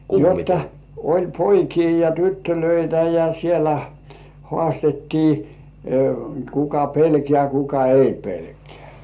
jotta oli poikia ja tyttöjä ja siellä haastettiin kuka pelkää kuka ei pelkää